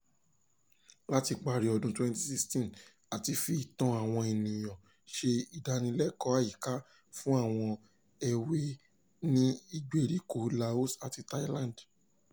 Láti ìparí ọdún 2016, a ti fi ìtàn àwọn ènìyàn ṣe ìdánilẹ́kọ̀ọ́ àyíká fún àwọn èwe ní ìgbèríko Laos àti Thailand.